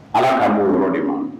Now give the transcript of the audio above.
Ala kan b'ɔ yɔrɔ de ma.